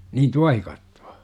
niin tuohikattoa